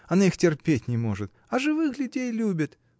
Она их терпеть не может, а живых людей любит!